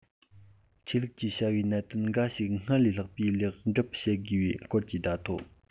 ཆོས ལུགས ཀྱི བྱ བའི གནད དོན འགའ ཞིག སྔར ལས ལྷག པའི ལེགས བསྒྲུབ བྱེད དགོས པའི སྐོར གྱི བརྡ ཐོ